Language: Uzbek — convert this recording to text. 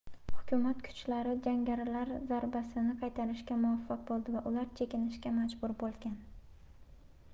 hukumat kuchlari jangarilar zarbasini qaytarishga muvaffaq bo'ldi va ular chekinishga majbur bo'lgan